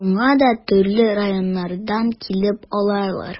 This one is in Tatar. Шуңа да төрле районнардан килеп алалар.